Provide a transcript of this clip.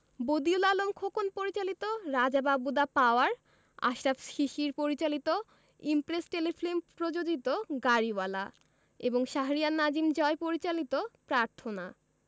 বদিউল আলম খোকন পরিচালিত Raja Babu the power Ashraf Shishir পরিচালিত Impress Telefilm প্রযোজিত গাড়িওয়ালা এবং শাহরিয়ার নাজিম জয় পরিচালিত প্রার্থনা